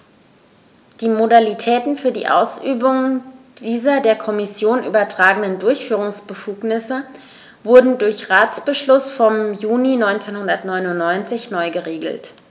Die Modalitäten für die Ausübung dieser der Kommission übertragenen Durchführungsbefugnisse wurden durch Ratsbeschluss vom Juni 1999 neu geregelt.